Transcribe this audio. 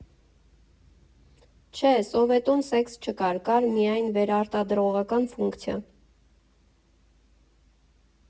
Չէ, սովետում սեքս չկար, կար միայն վերարտադրողական ֆունկցիա։